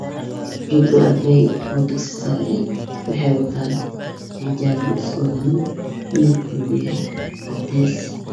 Bishaan waa galaas waxaa fadhiya gabdho wataan dhar cadaan waana sekondary